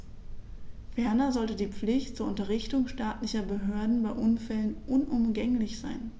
Ferner sollte die Pflicht zur Unterrichtung staatlicher Behörden bei Unfällen unumgänglich sein.